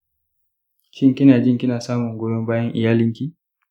shin kina jin kina samun goyon bayan iyalin ki?